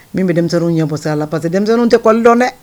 Min bɛ denmisɛnninw ɲɛɔsi a la pa denmisɛnninw tɛ kɔli dɔn dɛ